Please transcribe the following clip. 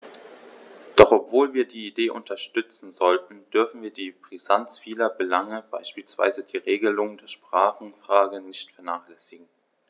Doch obwohl wir die Idee unterstützen sollten, dürfen wir die Brisanz vieler Belange, beispielsweise die Regelung der Sprachenfrage, nicht vernachlässigen.